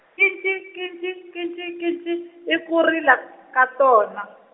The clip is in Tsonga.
ngece ngece ngece ngece, i ku rila, ka tona.